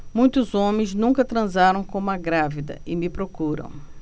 muitos homens nunca transaram com uma grávida e me procuram